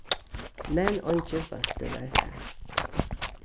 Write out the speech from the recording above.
men eingin bóltur var har